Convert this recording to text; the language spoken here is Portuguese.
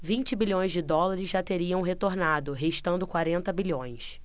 vinte bilhões de dólares já teriam retornado restando quarenta bilhões